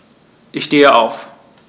Ich stehe auf.